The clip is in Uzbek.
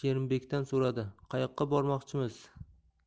yig'ib sherimbekdan so'radi qayoqqa bormoqchimiz